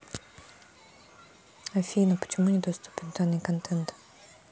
афина почему недоступен данный контент